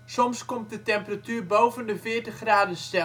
Soms komt de temperatuur boven de